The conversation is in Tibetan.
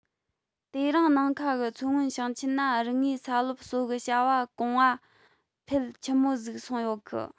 དེ རིང ནིང ཁ གི མཚོ སྔོན ཞིང ཆེན ན རིག གནས སལོབ གསོ གི བྱ བ གོངགའཕེལ ཆི མོ ཟིག སོང ཡོད